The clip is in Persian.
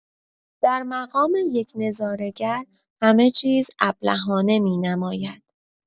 در مقام یک نظاره‌گر همه چیز ابلهانه می‌نماید!